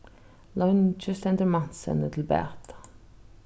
leingi stendur mansevni til bata